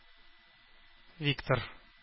Виктор